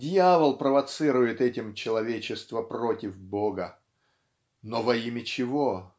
Дьявол провоцирует этим человечество против Бога. Но во имя чего?